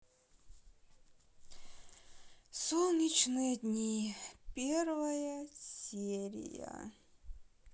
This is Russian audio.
солнечные дни первая серия